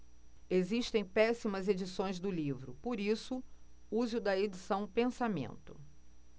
existem péssimas edições do livro por isso use o da edição pensamento